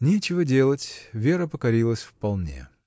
Нечего делать, Вера покорилась вполне.